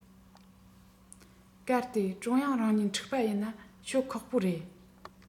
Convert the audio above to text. གལ ཏེ ཀྲུང དབྱང རང གཉིད འཁྲུག པ ཡིན ན ཤོད ཁག པོ རེད